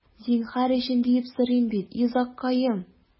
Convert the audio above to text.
Зинһар өчен, диеп сорыйм бит, йозаккаем...